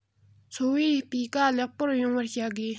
འཚོ བའི སྤུས ཀ ལེགས པོ ཡོང བར བྱ དགོས